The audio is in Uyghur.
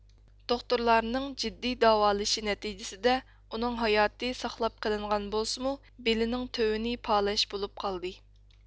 دوختۇرلارنىڭ جىددىي داۋالىشى نەتىجىسىدە ئۇنىڭ ھاياتى ساقلاپ قېلىنغان بولسىمۇ بېلىنىڭ تۆۋىنى پالەچ بولۇپ قالدى